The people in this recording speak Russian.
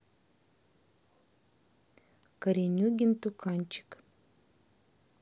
коренюгин туканчик